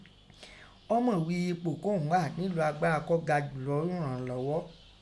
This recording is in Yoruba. Ọ mọ̀ ghí i ipò kóun hà nílò agbára kọ́ ga jùlọ ún ẹ̀ranlogho.